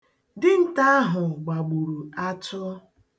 Dinta ahụ gbagburu atụ.